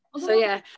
So, ie.